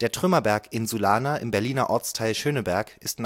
Trümmerberg Insulaner im Berliner Ortsteil Schöneberg ist